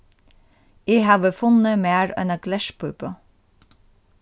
eg havi funnið mær eina glerpípu